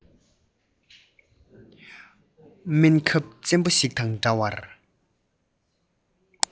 སྨན ཁབ བཙན པོ ཞིག དང འདྲ བར